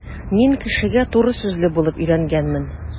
Мин кешегә туры сүзле булып өйрәнгәнмен.